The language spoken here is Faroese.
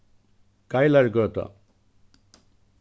geilargøta